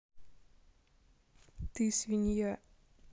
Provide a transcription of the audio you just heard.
ты свинья